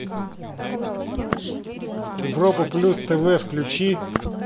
европа плюс тв включи